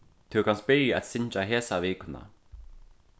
tú kanst byrja at syngja hesa vikuna